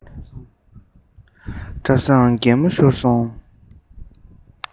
བཀྲ བཟང གད མོ ཤོར སོང